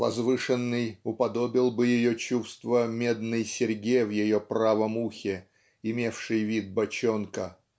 "возвышенный уподобил бы ее чувства медной серьге в ее правом ухе имевшей вид бочонка